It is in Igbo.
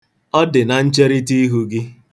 Ọ dị na ncherịta ihu gị.